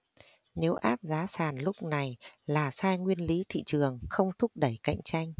nếu áp giá sàn lúc này là sai nguyên lý thị trường không thúc đẩy cạnh tranh